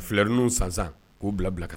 Fleurs san san k'u bila bila ka na.